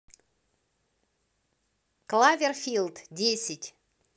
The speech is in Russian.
кловерфилд десять